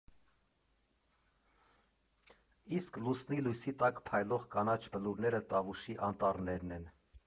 Իսկ լուսնի լույսի տակ փայլող կանաչ բլուրները Տավուշի անտառներն են։